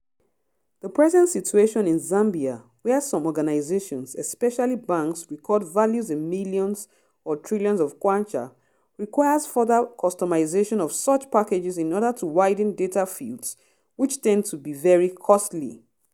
The present situation in Zambia, where some organizations, especially banks record values in billions or trillions of Kwacha, requires further customization of such packages in order to widen data fields, which tend to be very costly.